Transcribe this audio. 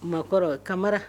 Maakɔrɔ Kamara